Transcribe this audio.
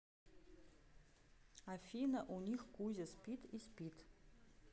афина у них кузя спит и спит